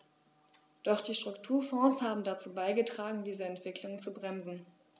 Doch die Strukturfonds haben dazu beigetragen, diese Entwicklung zu bremsen.